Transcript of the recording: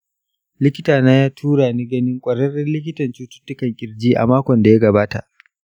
likitana ya tura ni ganin ƙwararren likitan cututtukan ƙirji a makon da ya gabata.